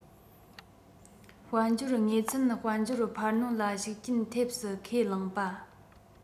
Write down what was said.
དཔལ འབྱོར དངོས ཚན དཔལ འབྱོར འཕར སྣོན ལ ཤུགས རྐྱེན ཐེབས སྲིད ཁས བླངས པ